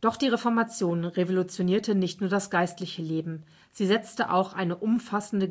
Doch die Reformation revolutionierte nicht nur das geistliche Leben, sie setzte auch eine umfassende